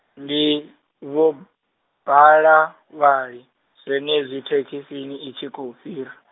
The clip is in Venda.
ndi, Vho Balavhali, zwenezwi thekhisini i tshi khou fhira.